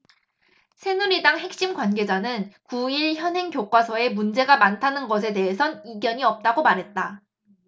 새누리당 핵심 관계자는 구 일 현행 교과서에 문제가 많다는 것에 대해선 이견이 없다고 말했다